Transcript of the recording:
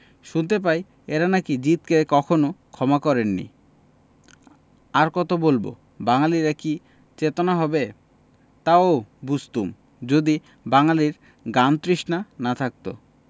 শুনতে পাই এঁরা নাকি জিদকে কখনো ক্ষমা করেন নি আর কত বলব বাঙালীর কি চেতনা হবে তাও বুঝতুম যদি বাঙালীর জ্ঞানতৃষ্ণা না থাকত